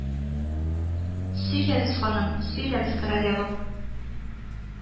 Сөйләгез, ханым, сөйләгез, королева